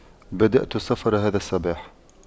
بدأت السفر هذا الصباح